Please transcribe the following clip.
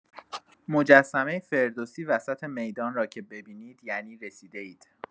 مجسمه فردوسی وسط میدان را که ببینید، یعنی رسیده‌اید.